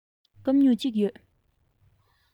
སྐམ སྨྱུག གཅིག ཡོད